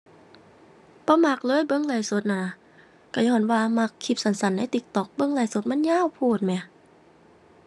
บ่มักเลยเบิ่งไลฟ์สดน่ะนะ ก็ญ้อนว่ามักคลิปสั้นสั้นใน TikTok เบิ่งไลฟ์สดมันยาวโพดแหม